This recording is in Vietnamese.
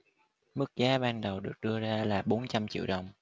mức giá ban đầu được đưa ra là bốn trăm triệu đồng